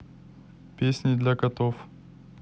песни для котов